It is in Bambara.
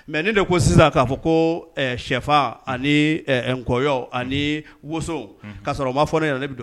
Mais ne de ko sisan k'a fɔ ko ɛ sɛfan ani nkɔyɔ ani ɛɛ woso k’a sɔrɔ o fɔ ne ɲɛna ne tun